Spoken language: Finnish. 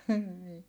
niin